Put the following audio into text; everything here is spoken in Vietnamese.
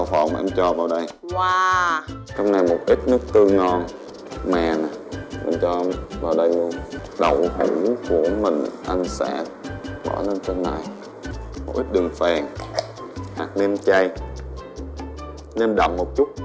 đậu phộng anh cho vào đây trong này một ít nước tương ngon mè nè mình cho vào đây luôn đậu hũ của mình anh sẽ bỏ lên trên này một ít đường phèn hạt nêm chay nêm đậm một chút